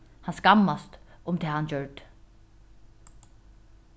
hann skammast um tað hann gjørdi